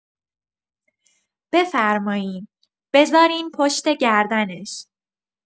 بفرمایین، بذارین پشت گردنش.